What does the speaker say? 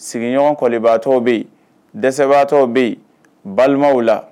Sigiɲɔgɔn kɔbaatɔ bɛ yen dɛsɛbaatɔ bɛ yen balimaw la